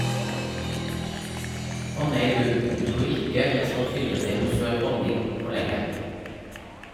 Åh nei du , tro ikke jeg skal fylle deg med søt honning for lenge.